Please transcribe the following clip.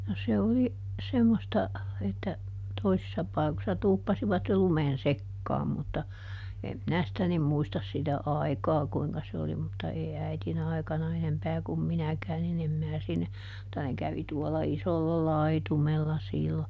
no se oli semmoista että toisissa paikoissa tuuppasivat jo lumen sekaan mutta en minä sitä niin muista sitä aikaa kuinka se oli mutta ei äidin aikana enempää kuin minäkään niin en minä sinne mutta ne kävi tuolla isolla laitumella silloin